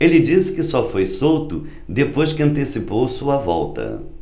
ele disse que só foi solto depois que antecipou sua volta